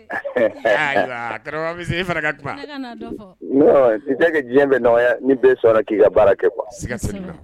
N tɛ kɛ diɲɛ bɛ nɔgɔya ni bɛ sɔnna k'i ka baara kɛ kuwa